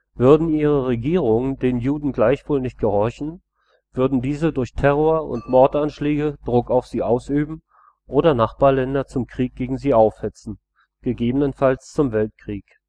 Würden ihre Regierungen den Juden gleichwohl nicht gehorchen, würden diese durch Terror und Mordanschläge Druck auf sie ausüben oder Nachbarländer zum Krieg gegen sie aufhetzen, gegebenenfalls zum Weltkrieg